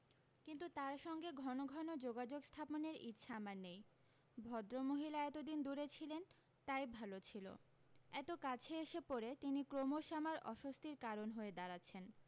কিন্তু তার সঙ্গে ঘন ঘন যোগাযোগ স্থাপনের ইচ্ছা আমার নেই ভদ্রমহিলা এতদিন দূরে ছিলেন তাই ভালো ছিল এতো কাছে এসে পড়ে তিনি ক্রমশ আমার অস্বস্তির কারণ হয়ে দাঁড়াচ্ছেন